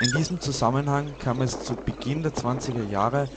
diesem Zusammenhang kam es zu Beginn der 20er Jahre